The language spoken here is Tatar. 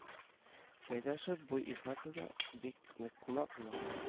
Сәйдәшев бу ихатада бик нык кунак була